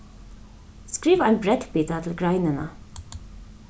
skriva ein brellbita til greinina